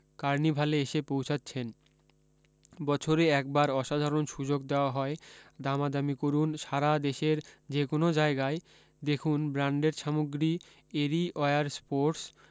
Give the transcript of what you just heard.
কারনিভালে এসে পৌঁছাচ্ছেন বছরে একবার অসাধারণ সু্যোগ দেওয়া হয় দামাদামি করুণ সারা দেশের যে কোনও জায়গায় দেখুন ব্রান্ডেড সামগ্রী এরি অয়্যার স্পোর্টস